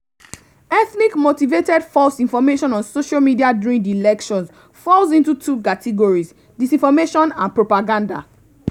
Ethnic-motivated false information on social media during the elections falls into two categories: disinformation and propaganda.